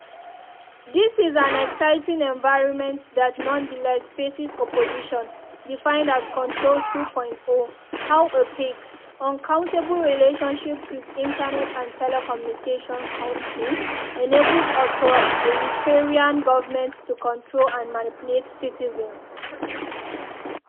This is an exciting environment that nonetheless faces opposition, defined as “Control 2.0”: “…how opaque, unaccountable relationships with Internet and telecommunications companies enables authoritarian governments to control and manipulate citizens.”